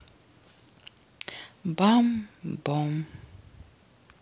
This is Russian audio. бам бом